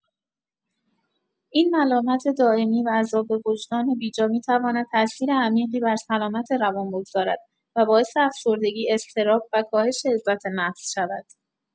این ملامت دائمی و عذاب وجدان بی‌جا می‌تواند تاثیر عمیقی بر سلامت روان بگذارد و باعث افسردگی، اضطراب، و کاهش عزت‌نفس شود.